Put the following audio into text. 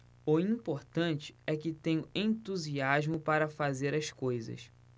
o importante é que tenho entusiasmo para fazer as coisas